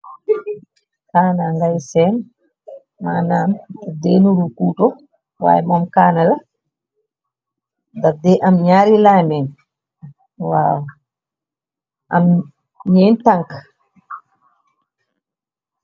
Kaana ngay seen manaam taf dey nuru kuuto, waaye moom kaana la. Daff dey am ñaari laamenj waa, am ñeen tank.